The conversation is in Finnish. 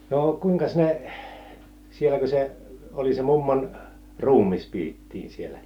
no kuinkas ne sielläkös se oli se mummon ruumis pidettiin siellä